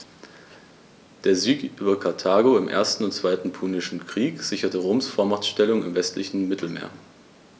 Der Sieg über Karthago im 1. und 2. Punischen Krieg sicherte Roms Vormachtstellung im westlichen Mittelmeer.